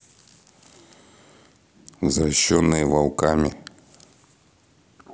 взрощенные волками